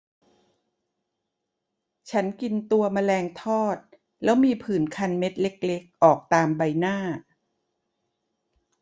ฉันกินตัวแมลงทอดแล้วมีผื่นคันเม็ดเล็กเล็กออกตามใบหน้า